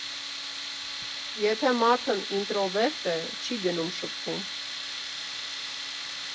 «Եթե մարդն ինտրովերտ է, չի գնում շփվում։